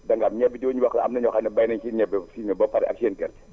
da nga am ñebe jooju ñu wax am na ñoo xam ne béy nañ fi ñebe fii nii ba pare ak seen gerte